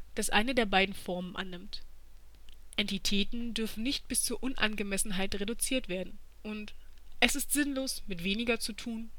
das eine der beiden Formen annimmt: „ Entitäten dürfen nicht bis zur Unangemessenheit reduziert werden “und „ es ist sinnlos mit weniger zu tun